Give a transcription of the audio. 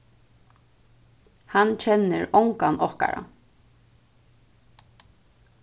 hann kennir ongan okkara